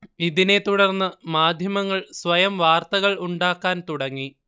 ഇതിനെ തുടർന്ന് മാധ്യമങ്ങൾ സ്വയം വാർത്തകൾ ഉണ്ടാക്കാൻ തുടങ്ങി